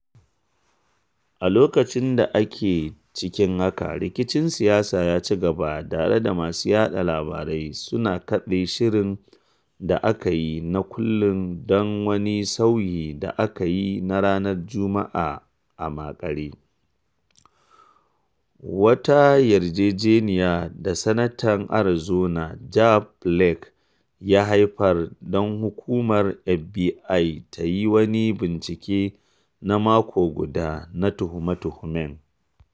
A loƙacin da ake cikin haka, rikicin siyasar ya ci gaba, tare da masu yaɗa labarai suna kattse shirin da ake yi na kullum don wani sauyi da aka yi na ranar Juma’a a makare: wata yarjejeniya da Sanatan Arizona Jeff Flake ya haifar don Hukumar FBI ta yi wani bincike na mako guda na tuhume-tuhumen.